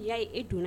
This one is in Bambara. Ya ye e donna